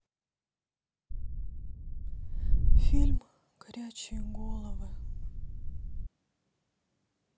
фильм горячие головы